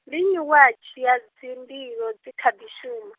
ndi nnyi wea dzhia, dzinḓilo dzikhadzi shuma?